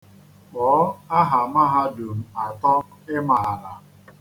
Kpọọ aha mahadum atọ ị maara.